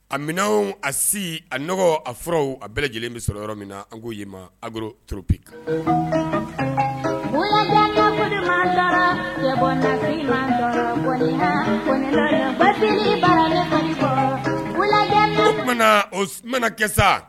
A min a si a n a fura a bɛɛ lajɛlen bɛ sɔrɔ yɔrɔ min na an ko yɛlɛmaro crobi o mana kɛ sa